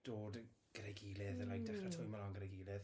dod gyda'i gilydd, a like dechrau twymo lan gyda'i gilydd.